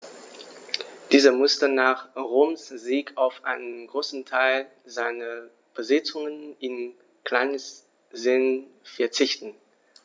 Dieser musste nach Roms Sieg auf einen Großteil seiner Besitzungen in Kleinasien verzichten.